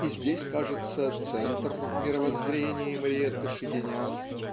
и здесь, кажется, центр в мировоззрении Мариэтты Шагинян